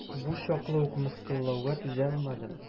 Бу чаклы ук мыскыллауга түзалмадым.